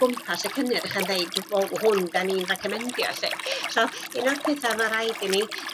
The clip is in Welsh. gwmpas y cynnyrch yn ddeud wel hwn 'dan ni'n recomendio 'lly. So un o'r petha ma' raid i ni